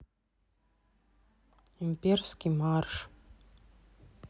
имперский марш